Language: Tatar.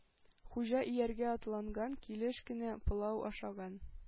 Хуҗа ияргә атланган килеш кенә пылау ашаган.